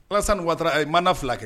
Alassane Wattara a ye mandat 2 kɛ